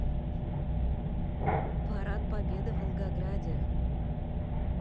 парад победы в волгограде